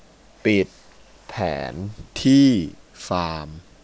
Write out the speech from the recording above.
ปิดแผนที่ฟาร์ม